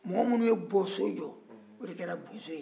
mɔgɔ minnu ye bɔso jɔ o de kɛra bozo ye